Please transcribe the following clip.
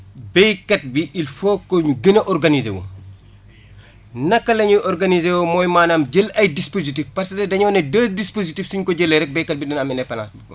béykat bi il faut que ñu gën a organiser wu naka la ñuy organiser woo mooy maanaam jël ay dispositifs parce que dañoo ne des dispositifs suñ ko jëlee rek béykat bi dina am indépendance su boppam